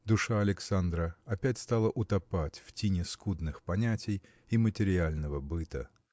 Душа Александра опять стала утопать в тине скудных понятий и материального быта.